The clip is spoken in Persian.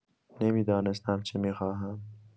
نمی‌دانستم چه می‌خواهم.